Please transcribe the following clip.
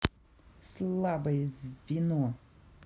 слабое звено